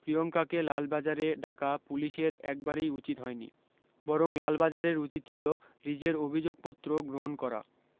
প্রিয়ঙ্কাকে লালবাজারে ডাকা পুলিশের একেবারেই উচিত হয়নি বরং লালবাজারের উচিত ছিল রিজের অভি্যোগপত্র গ্রহন করা